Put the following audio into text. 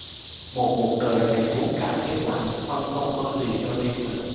một cuộc đời thầy thuốc đã khép lại ông không có gì cho riêng mình